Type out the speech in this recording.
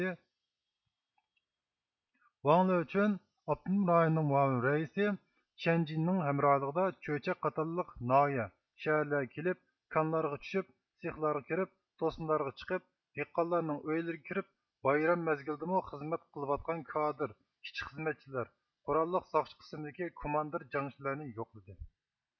ۋاڭلېچۇەن ئاپتونوم رايوننىڭ مۇئاۋىن رەئىسى چيەنجىنىڭ ھەمراھلىقىدا چۆچەك قاتارلىق ناھىيە شەھەرلەرگە كېلىپ كانلارغا چۈشۈپ سىخلارغا كىرىپ توسمىلارغا چىقىپ دېھقانلارنىڭ ئۆيلىرىگە كىرىپ بايرام مەزگىلىدىمۇ خىزمەت قىلىۋاتقان كادىرلار ئىشچى خىزمەتچىلەر قوراللىق ساقچى قىسىمدىكى كوماندىر جەڭچىلەرنى يوقلىدى